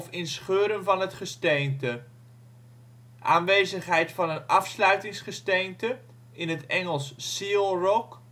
in scheuren van het gesteente. Aanwezigheid van een afsluitingsgesteente (Engels: seal rock